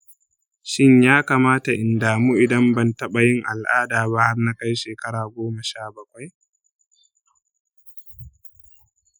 shin ya kamata in damu idan ban taɓa yin al'ada ba har na kai shekara goma sha bakwai?